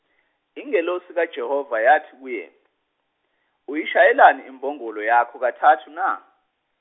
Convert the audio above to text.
ingelosi kaJehova yathi kuye, uyishayeleni imbongolo yakho kathathu na?